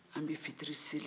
an bɛ fitiri seli